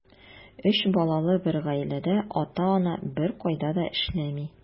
Өч балалы бер гаиләдә ата-ана беркайда да эшләми.